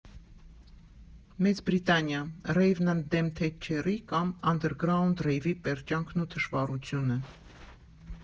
Մեծ Բրիտանիա Ռեյվն ընդդեմ Թետչերի կամ անդերգրաունդ ռեյվի պերճանքն ու թշվառությունը։